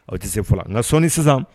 O tɛ se fɔlɔ n nka sɔɔni sisan